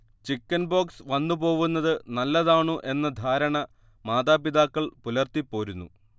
chickenpox വന്നുപോവുന്നത് നല്ലതാണു എന്ന ധാരണ മാതാപിതാക്കൾ പുലർത്തിപോരുന്നു